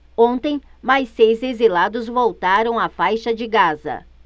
ontem mais seis exilados voltaram à faixa de gaza